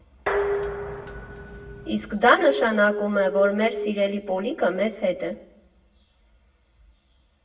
Իսկ դա նշանակում է, որ մեր սիրելի Պոլիկը մեզ հետ է։